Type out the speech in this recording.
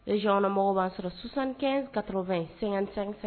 regionkɔnɔmɔgɔw b'a sɔrɔ 75 80 55